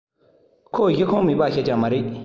ཁོ གཞི ཁུངས མེད པ ཞིག ཀྱང མ རེད